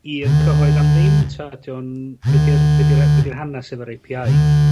i'r cyhoedd am ddim, 'ta ydi o'n be' 'di'r be' 'di'r yy be' 'di'r hanas efo'r Ay Pee Eye?